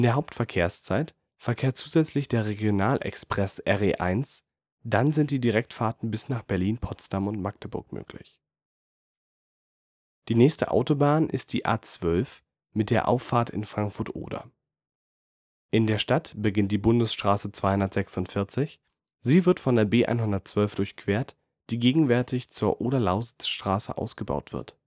Hauptverkehrszeit verkehrt zusätzlich der Regional-Express RE 1, dann sind Direktfahrten bis nach Berlin, Potsdam und Magdeburg möglich. Die nächste Autobahn ist die A 12 mit der Auffahrt in Frankfurt (Oder). In der Stadt beginnt die Bundesstraße 246; sie wird von der B 112 durchquert, die gegenwärtig zur Oder-Lausitz-Straße ausgebaut wird